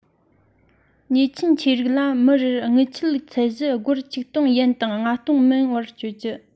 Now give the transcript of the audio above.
ཉེས ཚབས ཆེ རིགས ལ མི རེར དངུལ ཆད ཚད གཞི སྒོར ཆིག སྟོང ཡན ནས ལྔ སྟོང མན བར གཅོད རྒྱུ